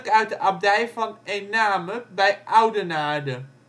uit de abdij van Ename bij Oudenaarde